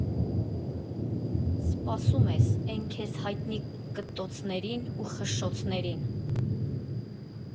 Սպասում ես էն քեզ հայտնի կտոցներին ու խշշոցներին։